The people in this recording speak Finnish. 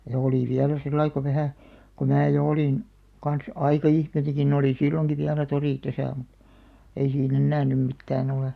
ja oli vielä sillä lailla kun vähän kun minä jo olin kanssa aikaihminen niin oli silloinkin vielä tori tässä minulla ei siinä enää nyt mitään ole